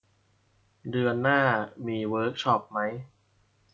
เดือนหน้ามีเวิคช็อปมั้ย